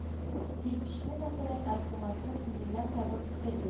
Кирпечне мәсәлән архумасның үзеннән табып китердек